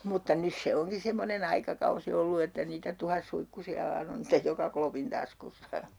mutta nyt se onkin semmoinen aikakausi ollut että niitä tuhatsuikkusia vain on sitten joka klopin taskussa